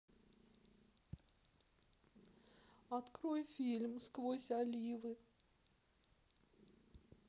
открой фильм сквозь оливы